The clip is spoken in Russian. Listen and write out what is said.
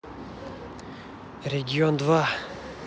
регион два